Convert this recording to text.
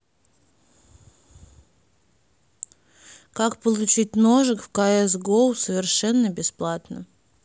как получить ножик в cs go совершенно бесплатно